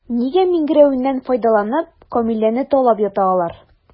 Нигә миңгерәюеннән файдаланып, Камиләне талап ята алар?